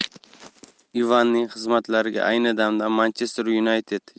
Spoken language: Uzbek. ivanning xizmatlariga ayni damda manchester yunayted